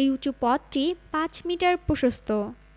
এই উঁচু পথটি ৫মিটার প্রশস্ত